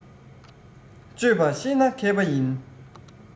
སྤྱོད པ ཤེས ན མཁས པ ཡིན